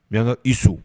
Nyan ka i so